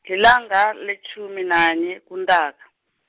lilanga letjhumi nanye kuNtaka.